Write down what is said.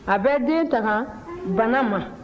a bɛ den tanga bana ma